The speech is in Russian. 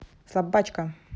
слабачка